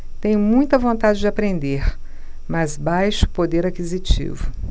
tenho muita vontade de aprender mas baixo poder aquisitivo